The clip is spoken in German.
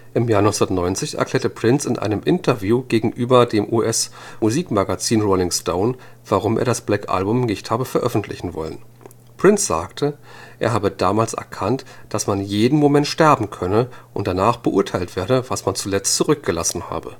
Im Jahr 1990 erklärte Prince in einem Interview gegenüber dem US-Musikmagazin Rolling Stone, warum er das Black Album nicht hatte veröffentlichen wollen. Prince sagte, er habe damals erkannt, dass man jeden Moment sterben könne und danach beurteilt werde, was man zuletzt zurückgelassen habe